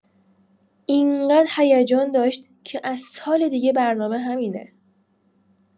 انقد هیجان داشت که از سال دیگه برنامه همینه!